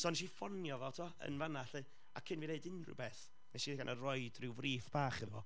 so wnes i ffonio fo tibod yn fanna 'lly, a cyn i mi wneud unrhyw beth, es i allan a roi ryw frîff bach iddo fo